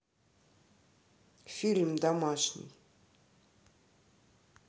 фильм домашний